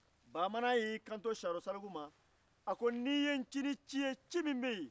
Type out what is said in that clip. fini sɛgɛsɛgɛ cogo ɲuman ale de bɛ i dege o la yani i ka cɛ sɔrɔ